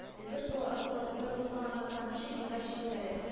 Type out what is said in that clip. Делбер суы аркылы күпер булмаганлыктан ничек иза чигүләре